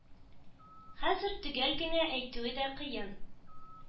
Хәзер төгәл генә әйтүе дә кыен